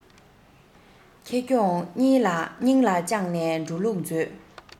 ཁེ གྱོང སྙིང ལ བཅངས ནས འགྲོ ལུགས མཛོད